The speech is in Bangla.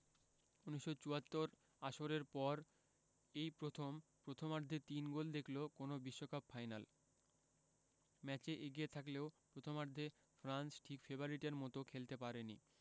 ১৯৭৪ আসরের পর এই প্রথম প্রথমার্ধে তিন গোল দেখল কোনো বিশ্বকাপ ফাইনাল ম্যাচে এগিয়ে থাকলেও প্রথমার্ধে ফ্রান্স ঠিক ফেভারিটের মতো খেলতে পারেনি